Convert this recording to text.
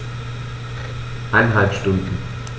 Eineinhalb Stunden